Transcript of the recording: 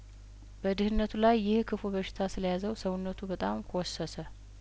በድህነቱ ላይ ይህ ክፉ በሽታ ስለያዘው ሰውነቱ በጣም ኰሰሰ